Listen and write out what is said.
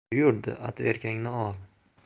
buyurdi otvertkangni ol